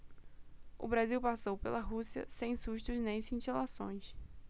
o brasil passou pela rússia sem sustos nem cintilações